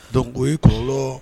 Dongo i kɔrɔ